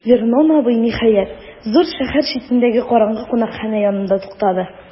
Вернон абый, ниһаять, зур шәһәр читендәге караңгы кунакханә янында туктады.